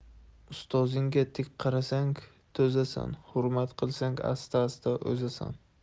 ustozingga tik qarasang to'zasan hurmat qilsang asta asta o'zasan